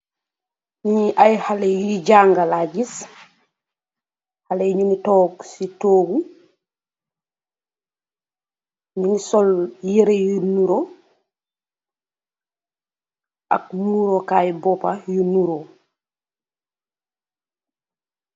Njiii iiy haleh yuiiy jaanga laa gis, haleh yii njii ngi tok c togu, njii sol yereh yu nduroh, ak mouroh kaii bopa yu nduroh,